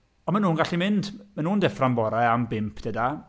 O, maen nhw'n gallu mynd. Maen nhw'n deffro'n bore am bump, deuda..